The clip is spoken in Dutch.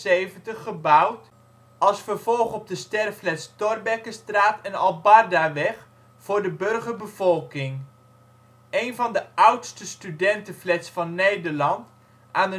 1969 en 1978 gebouwd als vervolg op de sterflats Thorbeckestraat en Albardaweg voor de burgerbevolking. Een van de oudste studentenflats van Nederland, aan